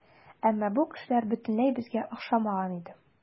Әмма бу кешеләр бөтенләй безгә охшамаган иде.